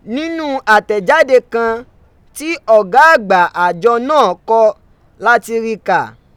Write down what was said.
Nínú àtẹ̀jáde kan, tí ọ̀gá àgbà àjọ náà kọ lá ti ri kà.